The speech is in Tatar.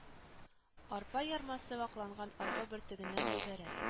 Арпа ярмасы вакланган арпа бөртегеннән гыйбарәт